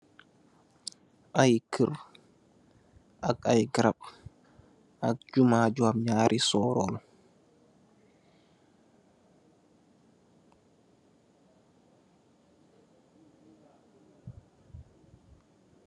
Ay kër ak ay garap ak jumaa ju am ñaari soroll.